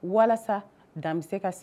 Walasa dan be se ka s